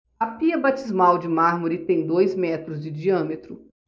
a pia batismal de mármore tem dois metros de diâmetro